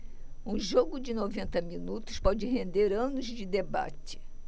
um jogo de noventa minutos pode render anos de debate